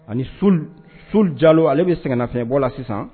Ani jalo ale bɛ sɛgɛnnafɛnbɔ la sisan